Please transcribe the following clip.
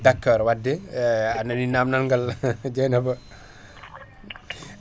d'accord wadde a nani namdal ngal dieynaba